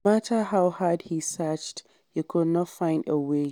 No matter how hard he searched, he could not find a way.